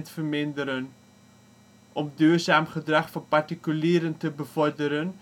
verminderen. Om duurzaam gedrag van particulieren te bevorderen